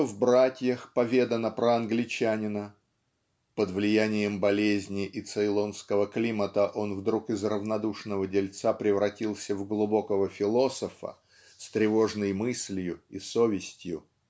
что в "Братьях" поведано про англичанина (под влиянием болезни и цейлонского климата он вдруг из равнодушного дельца превратился в глубокого философа с тревожной мыслью и совестью)